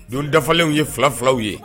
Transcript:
Don dafafalenw ye fila filaw ye